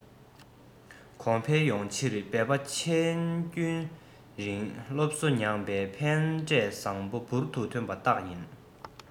གོང འཕེལ ཡོང ཕྱིར འབད པ ཆེན རྒྱུན རིང སློབ གསོ མྱངས པའི ཕན འབྲས བཟང པོ འབུར དུ ཐོན པའི རྟགས ཡིན